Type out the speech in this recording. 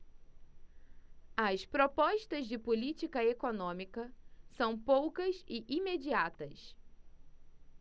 as propostas de política econômica são poucas e imediatas